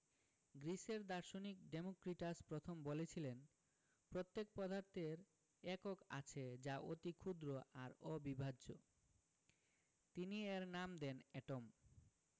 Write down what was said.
গ্রিসের দার্শনিক ডেমোক্রিটাস প্রথম বলেছিলেন প্রত্যেক পদার্থের একক আছে যা অতি ক্ষুদ্র আর অবিভাজ্য তিনি এর নাম দেন এটম